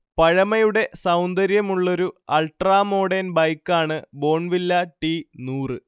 പഴമയുടെ സൗന്ദര്യമുള്ളൊരു അൾട്രാമോഡേൺ ബൈക്കാണ് ബോൺവില്ല ടി നൂറ്